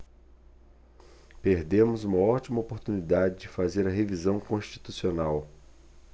perdemos uma ótima oportunidade de fazer a revisão constitucional